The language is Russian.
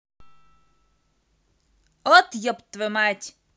от еб твою мать